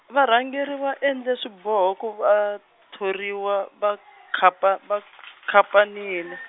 varhangeri va endle swiboho ku vathoriwa vakhapa- vakhapanile-.